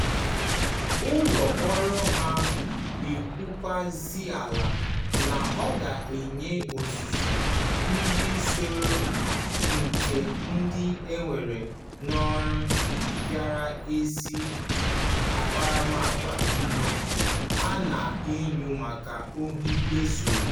Ụlọ ọrụ ahụ ekwukwazịaala na ọ ga-enye ọzụzụ dị n'usoro nke ndị ha weere n'ọrụ banyere ezi akparamaagwa mgbe a na-enyo maka ohi e zuru.